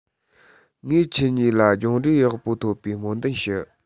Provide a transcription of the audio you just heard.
ངས ཁྱེད གཉིས ལ སྦྱངས འབྲས ཡག པོ ཐོབ པའི སྨོན འདུན ཞུ